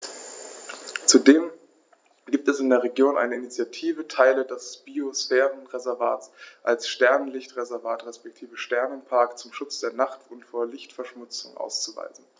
Zudem gibt es in der Region eine Initiative, Teile des Biosphärenreservats als Sternenlicht-Reservat respektive Sternenpark zum Schutz der Nacht und vor Lichtverschmutzung auszuweisen.